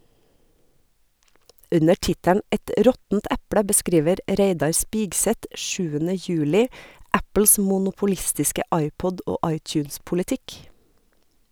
Under tittelen "Et råttent eple" beskriver Reidar Spigseth sjuende juli Apples monopolistiske iPod- og iTunes-politikk.